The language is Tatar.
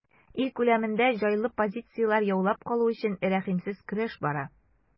Ил күләмендә җайлы позицияләр яулап калу өчен рәхимсез көрәш бара.